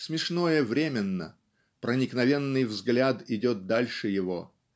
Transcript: Смешное временно, проникновенный взгляд идет дальше его.